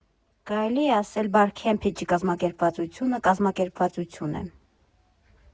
Կարելի է ասել՝ Բարքեմփի չկազմակերպվածությունը կազմակերպվածություն է։